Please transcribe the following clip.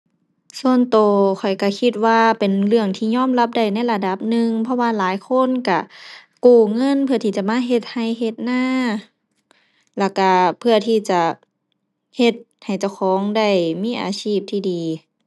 ส่วนตัวข้อยตัวคิดว่าเป็นเรื่องที่ยอมรับได้ในระดับหนึ่ง เพราะว่าหลายคนตัวกู้เงินเพื่อที่จะมาเฮ็ดตัวเฮ็ดนา แล้วตัวเพื่อที่จะเฮ็ดให้เจ้าของได้มีอาชีพที่ดี